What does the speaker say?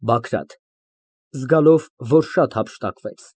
ԲԱԳՐԱՏ ֊ (Զգալով, որ շատ հափշտակվեց)։